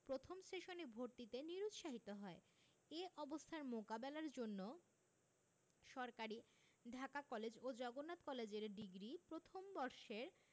প্রথম সেশনে ভর্তিতে নিরুৎসাহিত হয় এ অবস্থার মোকাবেলার জন্য সরকারি ঢাকা কলেজ ও জগন্নাথ কলেজের ডিগ্রি প্রথম বর্ষের